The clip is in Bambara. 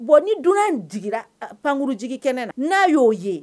Bon ni dunan in dra pankkuruuru jigiigi kɛnɛ na n'a y'o ye